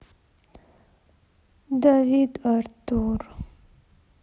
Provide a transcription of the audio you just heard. давид артур